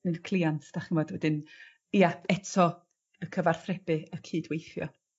Nid cleiant 'dach ch'mod wedyn ia eto y cyfarthrebu a cydweithio.